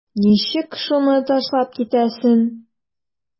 Ничек шуны ташлап китәсең?